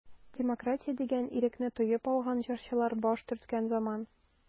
Демократия дигән ирекне тоеп алган җырчылар баш төрткән заман.